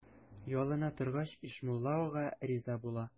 Ялына торгач, Ишмулла ага риза була.